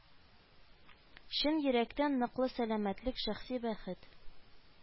Чын йөрәктән ныклы сәламәтлек, шәхси бәхет